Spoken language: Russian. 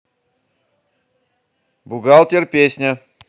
бухгалтер песня